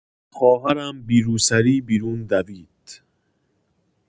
خواهرم بی روسری بیرون دوید